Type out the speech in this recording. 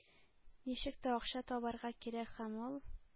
Ничек тә акча табарга кирәк, һәм ул